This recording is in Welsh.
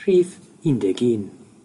Rhif un deg un.